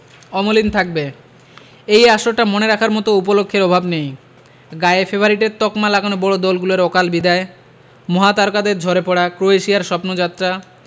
অমলিন থাকবে এই আসরটা মনে রাখার মতো উপলক্ষের অভাব নেই গায়ে ফেভারিটের তকমা লাগানো বড় দলগুলোর অকাল বিদায় মহাতারকাদের ঝরে পড়া ক্রোয়েশিয়ার স্বপ্নযাত্রা